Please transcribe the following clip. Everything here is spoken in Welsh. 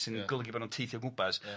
sy'n golygu bod nhw'n teithio gwmpas. Ia.